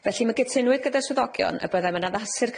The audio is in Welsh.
Felly mi gytunwyd gyda'r swyddogion y byddem yn addasu'r